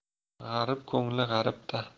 g'arib ko'ngli g'aribda